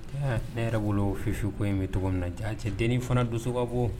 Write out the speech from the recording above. Aa ne yɛrɛ bolo o fifi ko in bɛ tɔgɔ min na a cɛ dennin fana dusuba bɔ